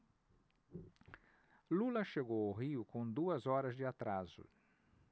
lula chegou ao rio com duas horas de atraso